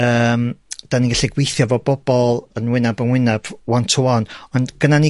yym 'dan ni'n gallu gwithio 'fo bobol yn wynab yn wynab, one to one. Ond gyna ni